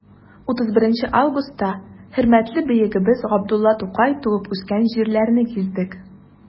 31 августта хөрмәтле бөегебез габдулла тукай туып үскән җирләрне гиздек.